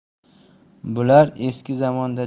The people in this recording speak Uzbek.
bular eski zamonda